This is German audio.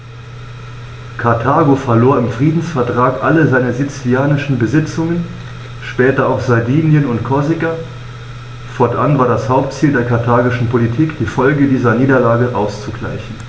Karthago verlor im Friedensvertrag alle seine sizilischen Besitzungen (später auch Sardinien und Korsika); fortan war es das Hauptziel der karthagischen Politik, die Folgen dieser Niederlage auszugleichen.